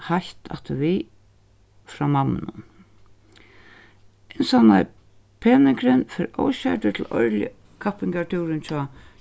heitt afturvið frá mammunum innsavnaði peningurin fer óskerdur til árliga kappingartúrin hjá